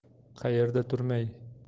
qayerda turmay